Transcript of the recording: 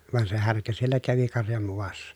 vaan se härkä siellä kävi karjan muassa